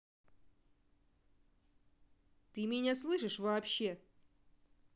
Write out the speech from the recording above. ты меня слышишь вообще